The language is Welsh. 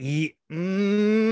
I- Mm!